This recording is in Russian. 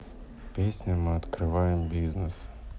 песня мы открываем бизнес